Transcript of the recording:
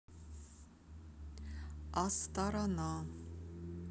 а сторона